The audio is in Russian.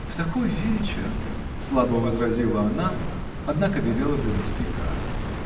в такой вечер?" -- слабо возразила она; однако велела принести карты.